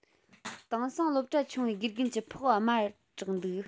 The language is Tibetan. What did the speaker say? དེང སང སློབ གྲྭ ཆུང བའི དགེ རྒན གྱི ཕོགས དམའ དྲགས འདུག